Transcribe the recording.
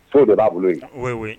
Sow de b'a bolo yen, oui oui